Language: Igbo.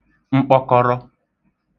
mkpọkọrọ